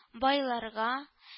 Байларга